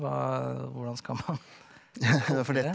hva hvordan skal man .